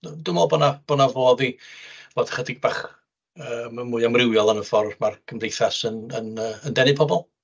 Dwi'n meddwl bod 'na bod 'na fodd i fod ychydig bach yy mwy amrywiol yn y ffordd mae'r Gymdeithas yn, yn denu pobl.